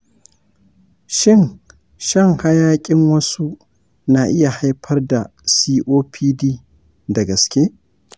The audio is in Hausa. shin shan hayakin wasu na iya haifar da copd da gaske?